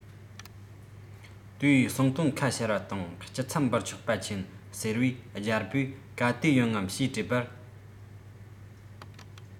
དུས སང སྟོན ཁ ཤར བ དང སྐྱིད ཚབ འབུལ ཆོག པ མཁྱེན ཟེར བས རྒྱལ པོས ག དུས ཡོང ངམ ཞེས དྲིས པར